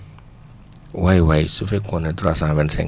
waay waay su fekkoon ne trois cent vingt cinq